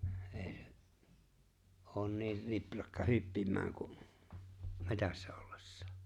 ei se ole niin riprakka hyppimään kuin metsässä ollessaan